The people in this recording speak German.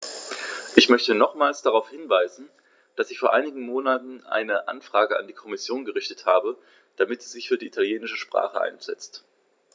Ich möchte nochmals darauf hinweisen, dass ich vor einigen Monaten eine Anfrage an die Kommission gerichtet habe, damit sie sich für die italienische Sprache einsetzt.